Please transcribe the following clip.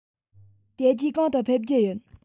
དེ རྗེས གང དུ ཕེབས རྒྱུ ཡིན